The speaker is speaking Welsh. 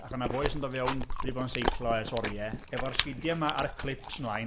Ac oedd 'na fois yn dod mewn wedi bod yn seiclo ers oriau, efo'r sgidiau 'ma a'r clips mlaen.